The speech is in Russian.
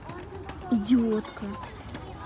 идиотка